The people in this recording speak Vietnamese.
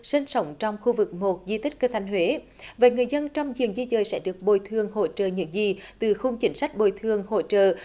sinh sống trong khu vực một di tích kinh thành huế vậy người dân trong diện di dời sẽ được bồi thường hỗ trợ những gì từ khung chính sách bồi thường hỗ trợ